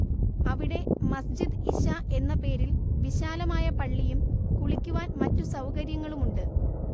അവിടെ മസ്ജിദ് ഇശ എന്ന പേരിൽ വിശാലമായ പള്ളിയും കുളിക്കുവാൻ മറ്റു സൌകര്യങ്ങളുമുണ്ട്